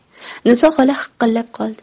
niso xola hiqillab qoldi